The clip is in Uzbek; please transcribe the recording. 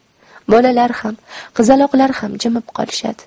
bolalar ham qizaloqlar ham jimib qolishadi